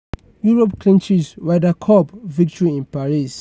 Europe clinches Ryder Cup victory in Paris